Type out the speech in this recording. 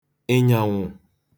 ị̀nyàwụ̀